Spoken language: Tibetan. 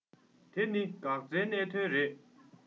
དེ ནི འགག རྩའི གནད དོན རེད